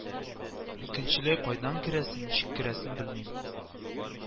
Икенчеләй, кайдан керәсен, ничек керәсен белмим